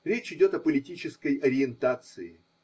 Речь идет о политической ориентации.